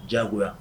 Diyago